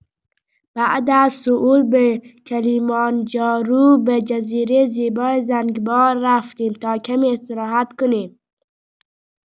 بعد از صعود به کلیمانجارو، به جزیره زیبای زنگبار رفتیم تا کمی استراحت کنیم.